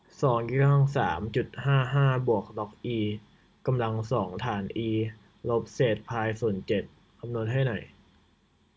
สองยกกำลังสามจุดห้าห้าบวกล็อกอีกำลังสองฐานอีลบเศษพายส่วนเจ็ดคำนวณให้หน่อย